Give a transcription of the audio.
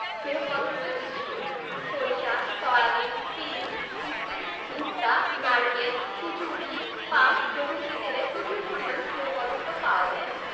স্নেহ পদার্থের উৎস সরিষা সয়াবিন তিল তিসি ভুট্টা নারকেল সুর্যমুখী পাম প্রভৃতি তেলে প্রচুর পরিমাণে স্নেহ পদার্থ পাওয়া যায়